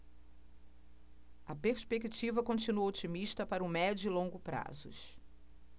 a perspectiva continua otimista para o médio e longo prazos